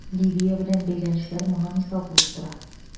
Либия белән бәйләнешләр моңа мисал булып тора.